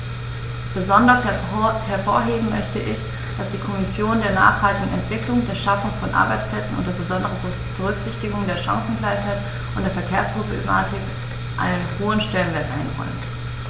Besonders hervorheben möchte ich, dass die Kommission der nachhaltigen Entwicklung, der Schaffung von Arbeitsplätzen unter besonderer Berücksichtigung der Chancengleichheit und der Verkehrsproblematik einen hohen Stellenwert einräumt.